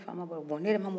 ko ee n ko awɔ